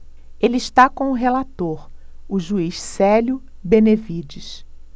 ele está com o relator o juiz célio benevides